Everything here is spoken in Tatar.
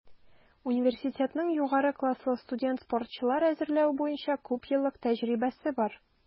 Университетның югары класслы студент-спортчылар әзерләү буенча күпьеллык тәҗрибәсе бар.